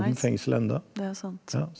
nei det er sant.